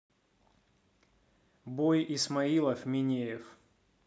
бой исмаилов минеев